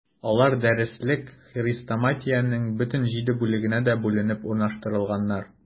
Алар дәреслек-хрестоматиянең бөтен җиде бүлегенә дә бүленеп урнаштырылганнар.